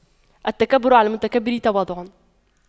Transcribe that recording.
التكبر على المتكبر تواضع